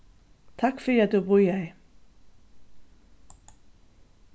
takk fyri at tú bíðaði